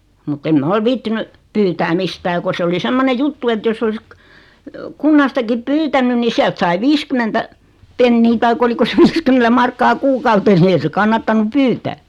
mutta en minä ole viitsinyt pyytää mistään kun se oli semmoinen juttu että jos olisi - kunnastakin pyytänyt niin sieltä sai viisikymmentä penniä tai oliko se viisikymmentä markkaa kuukaudessa niin ei se kannattanut pyytää